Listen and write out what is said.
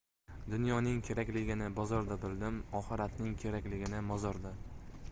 dunyoning kerakligini bozorda bildim oxiratning kerakligini mozorda